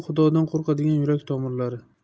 xudodan qo'rqadigan yurak tomirlari